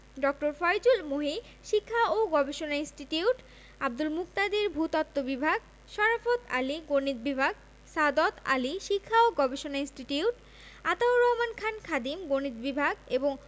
ড. ফয়জুল মহি শিক্ষা ও গবেষণা ইনস্টিটিউট আব্দুল মুকতাদির ভূ তত্ত্ব বিভাগ শরাফৎ আলী গণিত বিভাগ সাদত আলী শিক্ষা ও গবেষণা ইনস্টিটিউট আতাউর রহমান খান খাদিম গণিত বিভাগ এবং